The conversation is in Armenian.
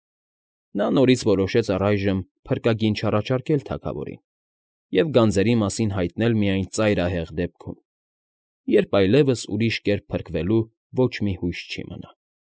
Նա նորից որոշեց առայժմ փրկագին չառաջարկել թագավորին և գանձերի մասին հայտնել միայն ծայրահեղ դեպքում, երբ այլևս ուրիշ կերպ փրկվելու ոչ մի հույս չի մնա։